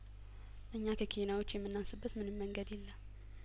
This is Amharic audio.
እኛ ከኬናዎች የምናን ስበትምንም መንገድ የለም